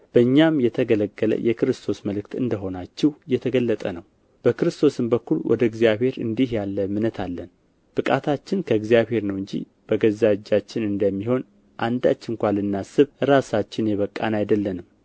በእኛም የተገለገለ የክርስቶስ መልእክት እንደ ሆናችሁ የተገለጠ ነው በክርስቶስም በኩል ወደ እግዚአብሔር እንዲህ ያለ እምነት አለን ብቃታችን ከእግዚአብሔር ነው እንጂ በገዛ እጃችን እንደሚሆን አንዳችን እንኳ ልናስብ ራሳችን የበቃን አይደለንም